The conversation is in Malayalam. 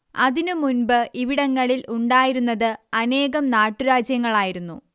അതിന് മുൻപ് ഇവിടങ്ങളിൽ ഉണ്ടായിരുന്നത് അനേകം നാട്ടുരാജ്യങ്ങളായിരുന്നു